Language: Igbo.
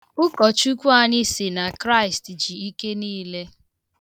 Ụkọchukwu anyị sị na Kraịst ji ike niile.